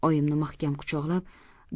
oyimni mahkam quchoqlab